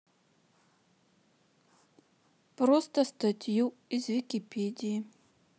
просто статью из википедии